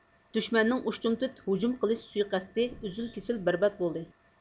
دۈشمەننىڭ ئۇشتۇمتۇت ھۇجۇم قىلىش سۇيىقەستى ئۈزۈل كېسىل بەربات بولدى